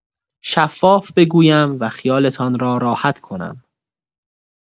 شفاف بگویم و خیال‌تان را راحت کنم.